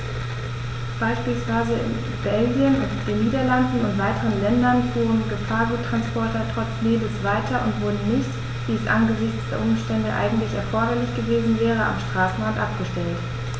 Beispielsweise in Belgien, den Niederlanden und weiteren Ländern fuhren Gefahrguttransporter trotz Nebels weiter und wurden nicht, wie es angesichts der Umstände eigentlich erforderlich gewesen wäre, am Straßenrand abgestellt.